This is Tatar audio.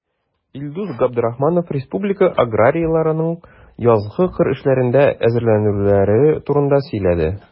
Илдус Габдрахманов республика аграрийларының язгы кыр эшләренә әзерләнүләре турында сөйләде.